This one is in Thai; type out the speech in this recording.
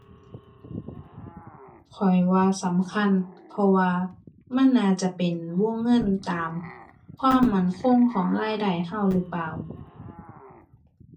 ข้อยว่าสำคัญ เพราะว่ามันน่าจะเป็นวงเงินตามความมั่นคงของรายได้เราหรือเปล่า